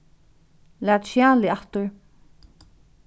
lat skjalið aftur